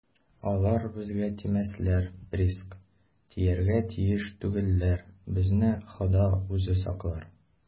- алар безгә тимәсләр, приск, тияргә тиеш түгелләр, безне хода үзе саклар.